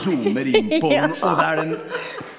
ja.